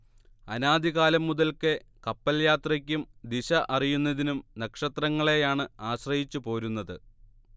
അനാദി കാലം മുതൽക്കേ കപ്പൽ യാത്രയ്ക്കും ദിശ അറിയുന്നതിനും നക്ഷത്രങ്ങളെയാണ് ആശ്രയിച്ചുപോരുന്നത്